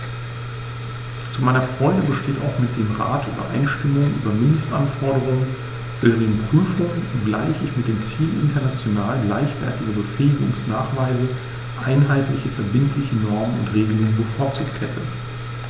Zu meiner Freude besteht auch mit dem Rat Übereinstimmung über Mindestanforderungen für deren Prüfung, obgleich ich mit dem Ziel international gleichwertiger Befähigungsnachweise einheitliche verbindliche Normen und Regelungen bevorzugt hätte.